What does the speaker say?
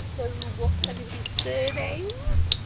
So what's everybody's surnames?